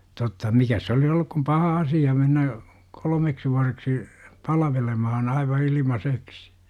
totta mikäs se olisi ollut kuin paha asia mennä kolmeksi vuodeksi palvelemaan aivan ilmaiseksi